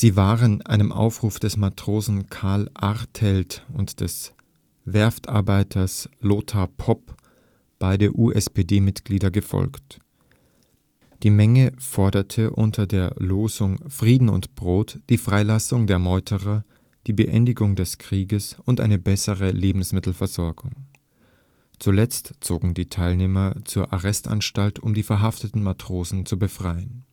waren einem Aufruf des Matrosen Karl Artelt und des Werftarbeiters Lothar Popp, beide USPD-Mitglieder, gefolgt. Die Menge forderte unter der Losung Frieden und Brot die Freilassung der Meuterer, die Beendigung des Krieges und eine bessere Lebensmittelversorgung. Zuletzt zogen die Teilnehmer zur Arrestanstalt, um die verhafteten Matrosen zu befreien